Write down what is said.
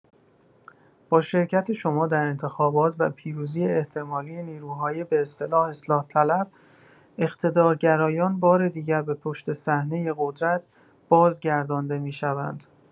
با شرکت شما در انتخابات و پیروزی احتمالی نیروهای به اصطلاح اصلاح‌طلب، اقتدارگرایان بار دیگر به پشت‌صحنه قدرت بازگردانده می‌شوند.